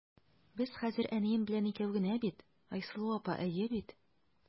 Без хәзер әнием белән икәү генә бит, Айсылу апа, әйе бит?